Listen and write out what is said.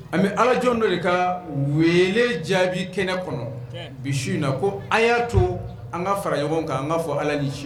An bɛ alaj dɔ de ka wele jaabi kɛnɛ kɔnɔ bi su in na ko an y'a to an ka fara ɲɔgɔn kan an kaa fɔ ala ni sini